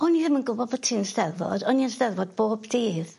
o'n i ddim yn gwbod bo' ti'n 'Steddfod o'n i yn 'Steddfod bob dydd.